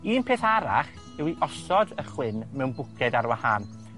Un peth arall yw i osod y chwyn mewn bwced ar wahân.